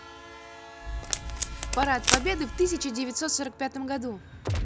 парад победы в тысяча девятьсот сорок пятом году